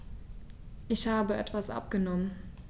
Ich habe etwas abgenommen.